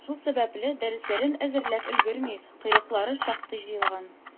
Шул сәбәпле, дәресләрен әзерләп өлгерми, «койрыклары» шактый җыелган.